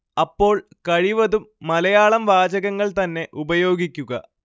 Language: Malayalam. അപ്പോൾ കഴിവതും മലയാളം വാചകങ്ങൾ തന്നെ ഉപയോഗിക്കുക